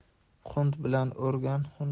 qunt bilan o'rgan